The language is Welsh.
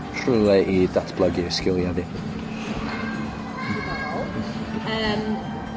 rhywle i datblygu y sgilie fi. Diddorol. Yym.